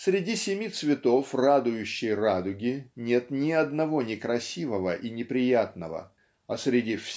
среди семи цветов радующей радуги нет ни одного некрасивого и неприятного а среди